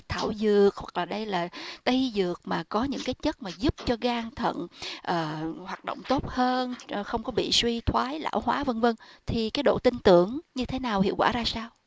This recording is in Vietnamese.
thảo dược hoặc đây là tây dược mà có những cái chất mà giúp cho gan thận ở hoạt động tốt hơn không có bị suy thoái lão hóa vân vân thì cái độ tin tưởng như thế nào hiệu quả ra sao